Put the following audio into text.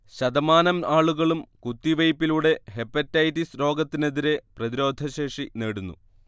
ശതമാനം ആളുകളും കുത്തിവെയ്പിലൂടെ ഹെപ്പറ്റൈറ്റിസ് രോഗത്തിനെതിരെ പ്രതിരോധശേഷി നേടുന്നു